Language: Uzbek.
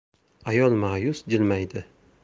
ayol ma'yus jilmaydi